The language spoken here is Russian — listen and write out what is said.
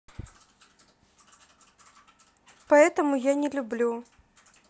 поэтому я не люблю